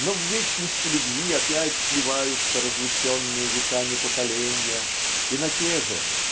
но в вечности любви опять сливаются разлученные веками поколенья и на те же.